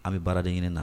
An bɛ baara de na